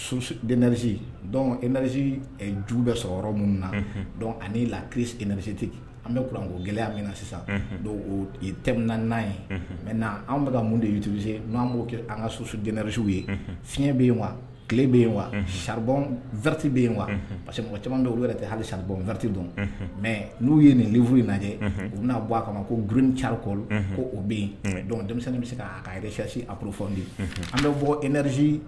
Ju bɛ sɔrɔ minnu na ani la kirisitigi an bɛuranko gɛlɛya min na sisan naani ye mɛ an bɛka mun dese n'an b'o kɛ an ka susutɛrerisiww ye fiɲɛyɛn bɛ yen wa tile bɛ yen wa saribɔnti bɛ yen wa parce que mɔgɔ caman dɔw yɛrɛ tɛ hali sariɔnti dɔn mɛ n'u ye nin uru lajɛ u n'a bɔ a kama ma ko grin cari kɔ ko' bɛ dɔn denmisɛnnin bɛ se ka ka yɛrɛrecsi af de an bɛ fɔ edariz